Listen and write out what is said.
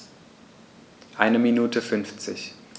Eine Minute 50